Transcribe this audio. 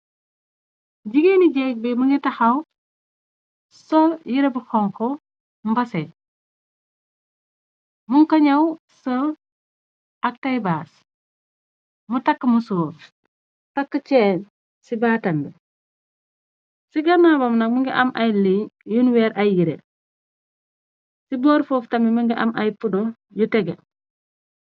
Jigéeni jégg bi më nge taxaw sol yire bu konko mbase munka ñaw sël ak tay baas mu tàkk musoof tàkk ceen ci baatambe ci ganna wam nag mi nga am ay li yun weer ay yire ci boor foof tami mënga am ay punu yu tege.